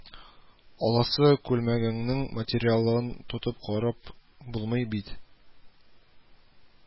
Аласы күлмәгеңнең материалын тотып карап булмый бит